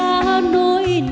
nỗi